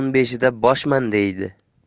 beshida boshman deydi